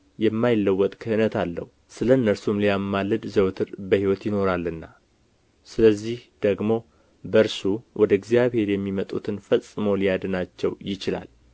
የማይለወጥ ክህነት አለው ስለ እነርሱም ሊያማልድ ዘወትር በሕይወት ይኖራልና ስለዚህ ደግሞ በእርሱ ወደ እግዚአብሔር የሚመጡትን ፈጽሞ ሊያድናቸው ይችላል